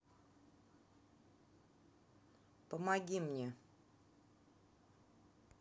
помоги мне